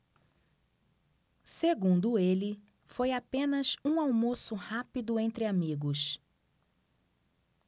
segundo ele foi apenas um almoço rápido entre amigos